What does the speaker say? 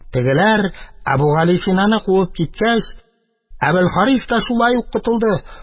Тегеләр Әбүгалисинаны куып киткәч, Әбелхарис та шулай ук котылды